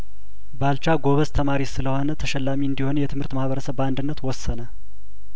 ባልቻ ጐበዝ ተማሪ ስለሆነ ተሸላሚ እንዲሆን የትምህርት ማህበረሰብ በአንድነት ወሰነ